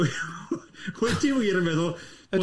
Wyt ti wir yn meddwl..? Ydw.